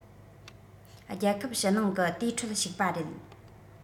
རྒྱལ ཁབ ཕྱི ནང གི དེའི ཁྲོད ཞུགས པ རེད